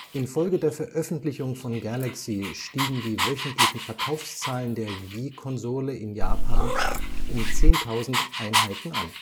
In Folge der Veröffentlichung von Galaxy stiegen die wöchentlichen Verkaufszahlen der Wii-Konsole in Japan um 10.000 Einheiten an